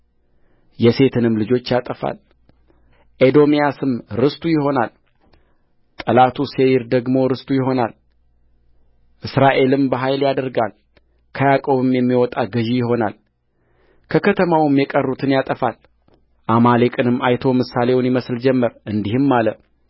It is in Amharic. የሤትንም ልጆች ያጠፋልኤዶምያስም ርስቱ ይሆናልጠላቱ ሴይር ደግሞ ርስቱ ይሆናልእስራኤልም በኃይል ያደርጋልከያዕቆብም የሚወጣ ገዥ ይሆናልከከተማውም የቀሩትን ያጠፋልአማሌቅንም አይቶ ምሳሌውን ይመስል ጀመር እንዲህም አለ